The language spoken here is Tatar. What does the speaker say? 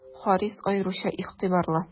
Харис аеруча игътибарлы.